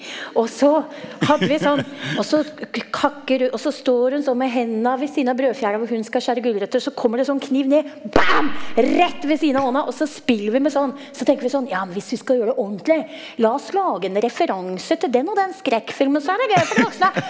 også hadde vi sånn også kakker også står hun sånn med hendene ved siden av brødfjela hvor hun skal skjære gulrøtter, så kommer det sånn kniv ned bam rett ved siden av hånda, også spiller vi med sånn, så tenker vi sånn ja men hvis vi skal gjøre det ordentlig la oss lage en referanse til den og den skrekkfilmen, så er det gøy for de voksne.